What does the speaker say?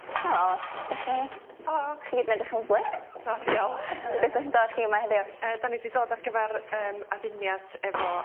O 'dach chi...Helo. ...chi gyd yn edrych 'n lyfli. O diolch. Be' sy'n dod chi yma heddiw? Y 'dan ni 'di dod ar gyfar yym aduniad efo...